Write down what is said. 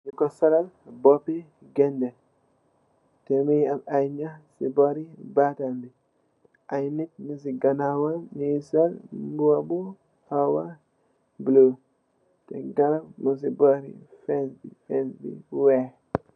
Nyung ku sulal bopi gaynde ta mungi am aye nyakh si bori batam bi aye nit nyung si ganaw nyunge sul mboba yu khawah blue sen ganaw mung si bori fence bu weex